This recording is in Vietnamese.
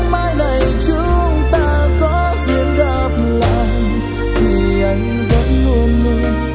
mai này chúng ta có duyên gặp lại thì anh vẫn luôn luôn